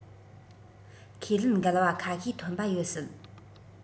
ཁས ལེན འགལ བ ཁ ཤས ཐོན པ ཡོད སྲིད